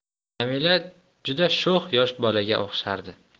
jamila juda sho'x yosh bolaga o'xshardi